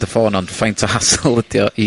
...dy ffôn, ond faint o hassle ydi o i